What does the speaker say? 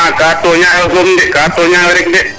ga toña yo soom de ga toña yo rek de